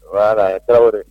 voila i tarawele